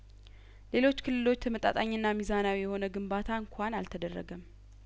ሌሎች ክልሎች ተመጣጣኝና ሚዛናዊ የሆነ ግንባታ እንኳን አልተደረገም